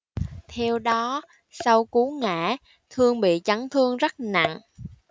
theo đó sau cú ngã thương bị chấn thương rất nặng